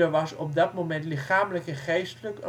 was op dat moment lichamelijk en geestelijk